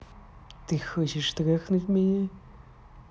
ты хочешь трахнуть меня